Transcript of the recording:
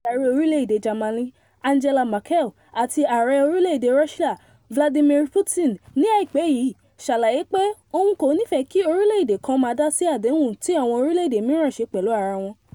"Ọ̀gá ilé iṣẹ́ Federation of German Industries (BDI), lẹ́yìn ìpàdé pẹ̀lú adarí orílẹ̀èdè Germany Angela Merkel àti ààrẹ orílẹ̀èdè Russia Vladimir Putin ní àìpẹ́ yìí ṣàlàyé pé òun kò nífẹ̀ẹ́ kí orílẹ̀èdè kan máa dásí àdéhùn tí àwọn orílẹ̀èdè mìíràn ṣe pẹ̀lú ara wọn.